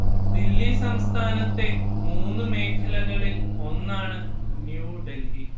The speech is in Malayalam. ദില്ലി സംസ്ഥാനത്തെ മൂന്നു മേഖലകളിൽ ഒന്നാണ് ന്യൂ ഡെൽഹി